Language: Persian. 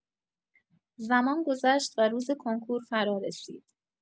زمان گذشت و روز کنکور فرارسید.